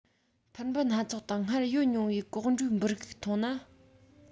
འཕུར འབུ སྣ ཚོགས དང སྔར ཡོད མྱོང བའི གོག འགྲོའི འབུ རིགས མཐོང བ ན